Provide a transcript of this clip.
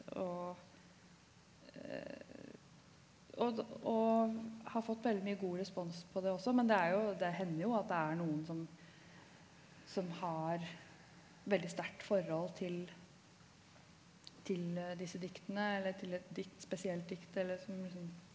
og og og har fått veldig mye god respons på det også, men det er jo det hender jo at det er noen som som har veldig sterkt forhold til til disse diktene eller til et dikt spesielt dikt eller som liksom.